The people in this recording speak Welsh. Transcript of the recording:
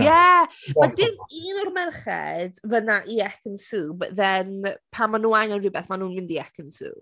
Ie! Ma' dim un o'r merched fan'na i Ekin-Su. But then, pan ma' nhw angen rhywbeth ma' nhw'n mynd i Ekin-Su.